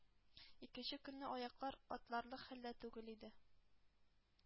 Икенче көнне аяклар атларлык хәлдә түгел иде.